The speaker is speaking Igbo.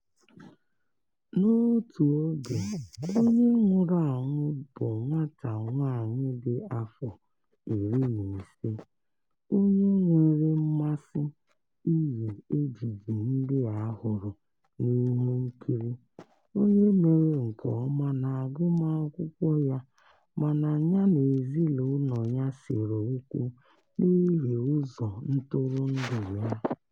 N'otu oge, onye nwụrụ anwụ bụ nwata nwaanyị dị afọ 15 onye nwere mmasi iyi ejiji ndị a hụrụ n'ihe nkiri. O mere nke ọma n'agụmakwụkwọ ya mana ya na ezinụlọ ya sere okwu n'ihi ụzọ ntụrụndụ ya.